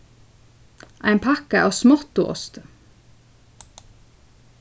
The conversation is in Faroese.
ein pakka av smáttuosti